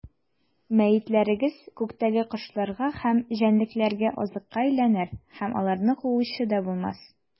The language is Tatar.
Мәетләрегез күктәге кошларга һәм җәнлекләргә азыкка әйләнер, һәм аларны куучы да булмас.